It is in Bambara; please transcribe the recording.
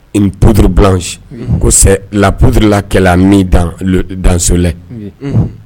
Ni pururubu kosɛbɛ la purulakɛla dansolɛ